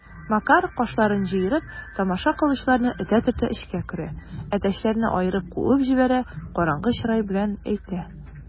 Макар, кашларын җыерып, тамаша кылучыларны этә-төртә эчкә керә, әтәчләрне аерып куып җибәрә, караңгы чырай белән әйтә: